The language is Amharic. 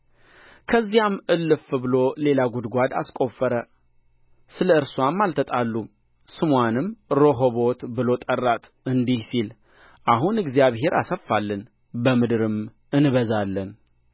ከዚያም እልፍ ብሎ ሌላ ጕድጓድ አስቈፈረ ስለ እርስዋም አልተጣሉም ስምዋንም ርኆቦት ብሎ ጠራት እንዲህ ሲል አሁን እግዚአብሔር አሰፋልን በምድርም እንበዛለን